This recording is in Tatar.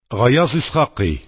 Гаяз Исхакый